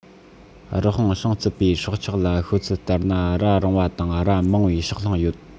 སྤུ རིང ཞིང རྩིབ པའི སྲོག ཆགས ལ ཤོད ཚུལ ལྟར ན རྭ རིང པ དང རྭ མང པའི ཕྱོགས ལྷུང ཡོད